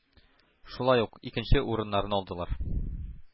Шулай ук, икенче урыннарны алдылар.